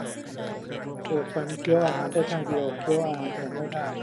ปวดฟันเคี้ยวอาหารได้ข้างเดียวเคี้ยวอาหารแข็งไม่ได้